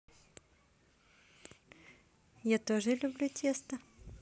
я тоже люблю тесто